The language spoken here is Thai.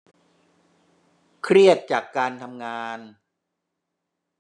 เครียดจากการทำงาน